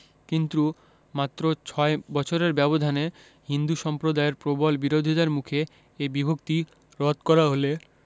কিন্তু মাত্র ছয় বছরের ব্যবধানে হিন্দু সম্প্রদায়ের প্রবল বিরোধিতার মুখে এ বিভক্তি রদ করা হলে